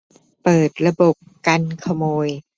เปิดระบบกันขโมย